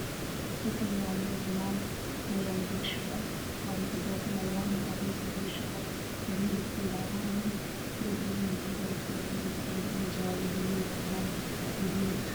Halkaan waa meel banaan waxaa yaalo biro shub ah qaar dhulka daadsan alwaax cadays ah biro shub ah midabkooda cagaar yahay dad badan jooga dharkooda kala duwan jaalle baluug cadaan gaduud